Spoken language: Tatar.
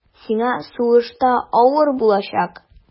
Сиңа сугышта авыр булачак.